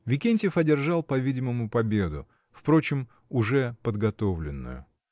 Викентьев одержал, по-видимому, победу — впрочем уже подготовленную.